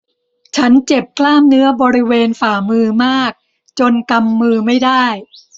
ฉันเจ็บกล้ามเนื้อบริเวณฝ่ามือมากจนกำมือไม่ได้